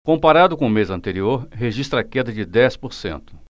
comparado com o mês anterior registra queda de dez por cento